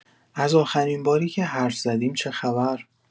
از آخرین باری که حرف زدیم چه‌خبر؟